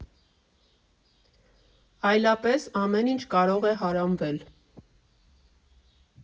Այլապես ամեն ինչ կարող է հարամվել։